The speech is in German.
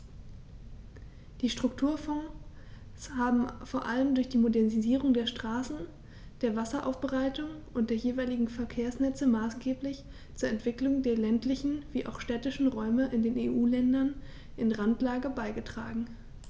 Die Strukturfonds haben vor allem durch die Modernisierung der Straßen, der Wasseraufbereitung und der jeweiligen Verkehrsnetze maßgeblich zur Entwicklung der ländlichen wie auch städtischen Räume in den EU-Ländern in Randlage beigetragen.